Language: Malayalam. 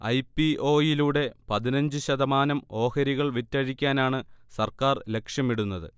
ഐ. പി. ഒ. യിലൂടെ പതിനഞ്ച് ശതമാനം ഓഹരികൾ വിറ്റഴിക്കാനാണ് സർക്കാർ ലക്ഷ്യമിടുന്നത്